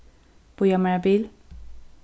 bíða mær eitt bil